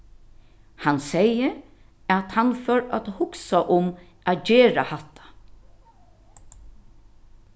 hann segði at hann fór at hugsa um at gera hatta